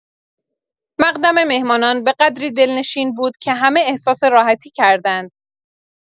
مقدم مهمانان به قدری دلنشین بود که همه احساس راحتی کردند.